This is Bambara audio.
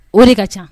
O de ka ca